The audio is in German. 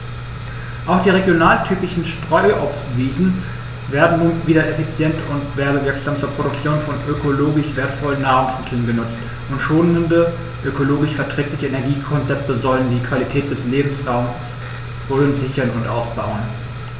Auch die regionaltypischen Streuobstwiesen werden nun wieder effizient und werbewirksam zur Produktion von ökologisch wertvollen Nahrungsmitteln genutzt, und schonende, ökologisch verträgliche Energiekonzepte sollen die Qualität des Lebensraumes Rhön sichern und ausbauen.